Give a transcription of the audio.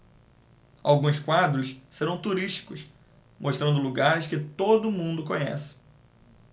alguns quadros serão turísticos mostrando lugares que todo mundo conhece